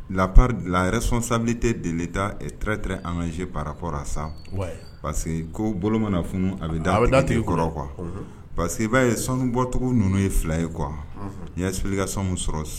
Lari laresonsa tɛ de ta tt an kasee parakɔrɔra sa parce que ko bolo mana funu a bɛ da a bɛ da tigi kɔrɔ qu parce que b'a ye son bɔt ninnu ye fila ye qu n' seli ka sɔnmu sɔrɔ